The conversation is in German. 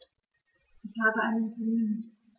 Ich habe einen Termin.